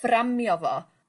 fframio fo